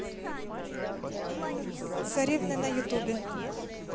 царевны на ютубе